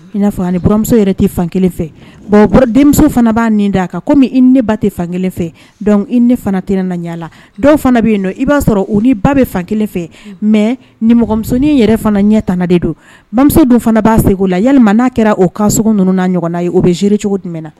I n'a nimuso yɛrɛ tɛ fan kelen fɛ bon denmuso fana b'a nin d' aa kan i ne ba tɛ fan kelen fɛ i ne fana na ɲɛ la dɔw fana bɛ yen i b'a sɔrɔ olu ni ba bɛ fan kelen fɛ mɛ nimɔgɔmusosoninnin yɛrɛ fana ɲɛ tanana de don bamuso dun fana b'a segu la ya n'a kɛra o kan sogo ninnu ɲɔgɔn ye o bɛ ziri cogo jumɛn na